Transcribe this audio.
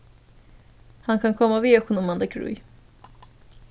hann kann koma við okkum um hann leggur í